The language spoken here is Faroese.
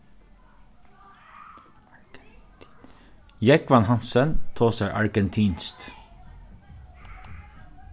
jógvan hansen tosar argentinskt